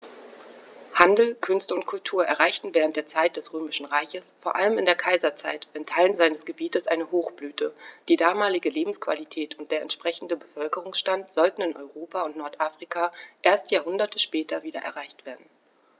Handel, Künste und Kultur erreichten während der Zeit des Römischen Reiches, vor allem in der Kaiserzeit, in Teilen seines Gebietes eine Hochblüte, die damalige Lebensqualität und der entsprechende Bevölkerungsstand sollten in Europa und Nordafrika erst Jahrhunderte später wieder erreicht werden.